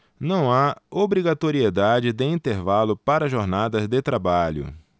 não há obrigatoriedade de intervalo para jornadas de trabalho